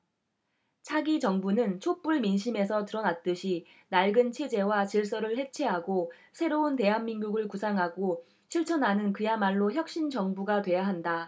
차기 정부는 촛불 민심에서 드러났듯이 낡은 체제와 질서를 해체하고 새로운 대한민국을 구상하고 실천하는 그야말로 혁신 정부가 돼야 한다